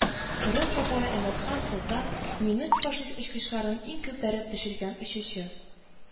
Кырым татары Әмәтхан Солтан – нимес-фашист очкычларын иң күп бәреп төшергән очучы